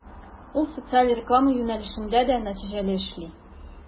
Ул социаль реклама юнәлешендә дә нәтиҗәле эшли.